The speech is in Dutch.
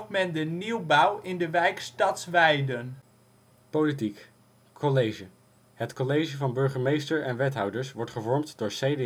men de nieuwbouw in de wijk Stadsweiden. Het college van burgemeester en wethouders wordt gevormd door CDA